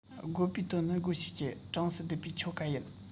བགོད པའི དོན ནི བགོད བྱེད ཀྱི གྲངས སུ སྡུད པའི ཆོ ག ཡིན